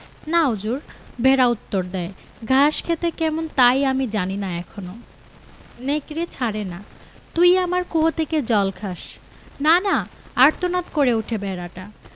না হুজুর ভেড়া উত্তর দ্যায় ঘাস খেতে কেমন তাই আমি জানি না এখনো নেকড়ে ছাড়ে না তুই আমার কুয়ো থেকে জল খাস না না আর্তনাদ করে ওঠে ভেড়াটা